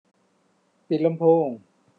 ปิดลำโพง